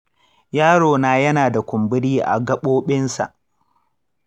yaro na yana da kumburi a gaɓoɓinsa.